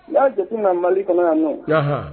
Ni y'a jateminɛ Mali kɔnɔ yan nɔ